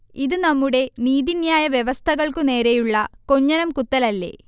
ഇത് നമ്മുടെ നീതിന്യായ വ്യവസ്ഥകൾക്ക് നേരെയുള്ള കൊഞ്ഞനം കുത്തലല്ലേ